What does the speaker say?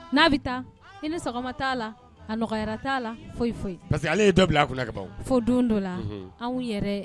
N'a bɛ taa i ni sɔgɔma t'a la a nɔgɔyara t'a la foyi foyi parce que ale ye da bila a kunna ka bɔ fo don dɔ la an yɛrɛ